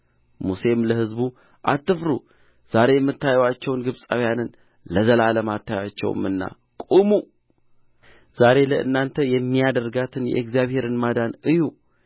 ሙሴም ለሕዝቡ አትፍሩ ዛሬ የምታዩአቸውን ግብፃውያንን ለዘላለም አታዩአቸውምና ቁሙ ዛሬ ለእናንተ የሚያደርጋትን የእግዚአብሔርን ማዳን እዩ